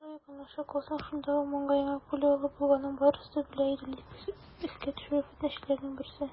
Аларга якынлаша калсаң, шунда ук маңгаеңа пуля алып булганын барысы да белә иде, - дип искә төшерә фетнәчеләрнең берсе.